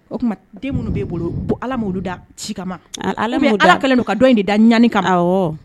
O tuma den minnu bɛ e bolo Ala m'olu da ci kama Ala m'o da ou bien Ala kɛlen don ka dɔ in de da ɲani kama, awɔ